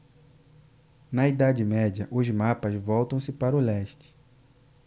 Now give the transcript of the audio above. na idade média os mapas voltam-se para o leste